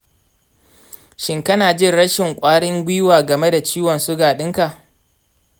shin kana jin rashin ƙwarin gwiwa game da ciwon suga ɗinka?